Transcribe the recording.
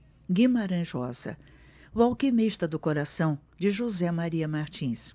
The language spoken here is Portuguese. guimarães rosa o alquimista do coração de josé maria martins